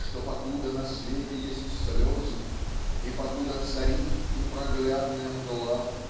что покуда на свете есть слезы И покуда царит непроглядная мгла